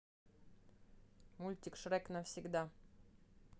мультик шрек навсегда